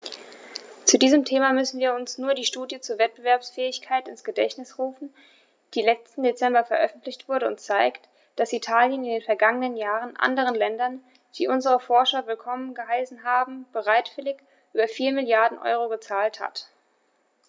Zu diesem Thema müssen wir uns nur die Studie zur Wettbewerbsfähigkeit ins Gedächtnis rufen, die letzten Dezember veröffentlicht wurde und zeigt, dass Italien in den vergangenen Jahren anderen Ländern, die unsere Forscher willkommen geheißen haben, bereitwillig über 4 Mrd. EUR gezahlt hat.